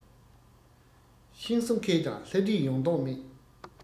ཤིང བཟོ མཁས ཀྱང ལྷ བྲིས ཡོང མདོག མེད